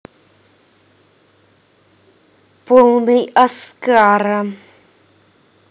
полный аскара